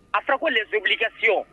A sago le z kɛ si